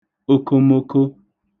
okomoko